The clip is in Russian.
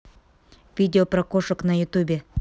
видео про кошек на ютубе